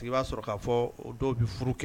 I b'a sɔrɔ k'a fɔ dɔw bɛ furu kɛ